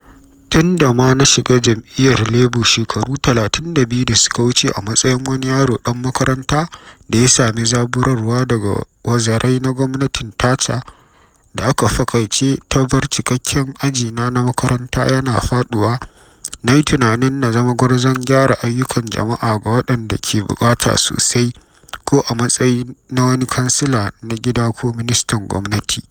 Tun da ma na shiga jam’iyyar Labour shekaru 32 da suka wuce a matsayin wani yaro dan makaranta, da ya sami zaburarwa daga wazarai na gwamnatin Thatcher da a fakaice ta bar cikekken ajina na makaranta yana faɗuwa, na yi tunanin na zama gwarzon gyara ayyukan jama’a ga waɗanda ke buƙatar sosai - ko a matsayi na wani kansila na gida ko ministan gwamnati.